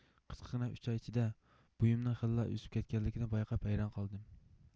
قىسقىغىنە ئۈچ ئاي ئىچىدە بويۇمنىڭ خېلىلا ئۆسۈپ كەتكەنلىكىنى بايقاپ ھەيران قالدىم